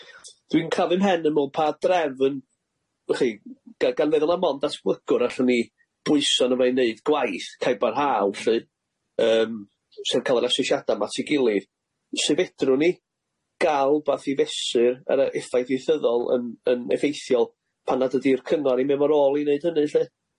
Dwi'n crafu'm mhen yn me'wl pa drefn ych chi ga- gan feddwl na mond datblygwr allwn ni bwyso na fo i neud gwaith caebar haw lly yym sy'n ca'l yr asesiada ma' ti gilydd, su' fedrwn ni ga'l wbath i fesur yr effaith ieithyddol yn yn effeithiol pan nad ydi'r cyngor i mewn ar ôl i neud hynny lly.